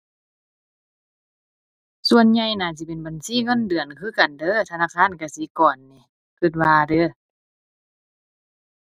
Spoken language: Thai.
ส่วนใหญ่น่าสิเป็นบัญชีเงินเดือนคือกันเด้อ ธนาคารกสิกรหนิ คิดว่าเด้อ